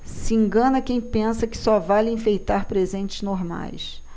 se engana quem pensa que só vale enfeitar presentes normais